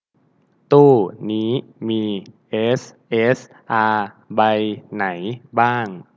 ตู้นี้มีเอสเอสอาใบไหนบ้าง